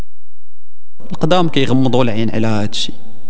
قدامك يغمض العين علاج